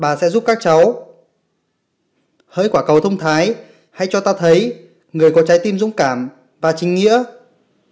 bà sẽ giúp các cáu hỡi quả cầu thông thái háy cho ta thấy người có trái tim dũng cảm và chính nhĩa